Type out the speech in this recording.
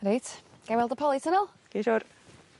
Reit, gai weld y polly tunnel? Gei siŵr.